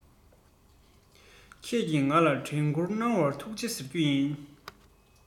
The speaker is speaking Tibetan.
ཁྱེད ཀྱིན ང ལ དྲན ཀུར གནང བར ཐུག ཆེ ཟེར རྒྱུ ཡིན